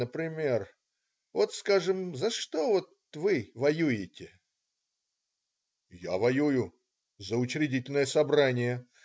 например, вот, скажем, за что вот вы воюете?" "Я воюю? - За Учредительное собрание.